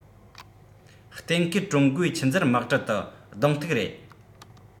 གཏན འཁེལ ཀྲུང གོའི ཆུར འཛུལ དམག གྲུ ཏུ གདོང གཏུག རེད